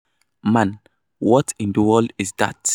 Man: "What in the world is that?"